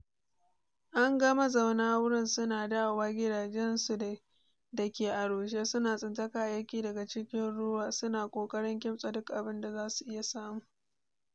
An ga mazauna wurin su na dawowa gidaje su da ke a rushe, su na tsintar kayayyakin daga cikin ruwa, su na ƙoƙarin kimtsa duk abin da zasu iya samu.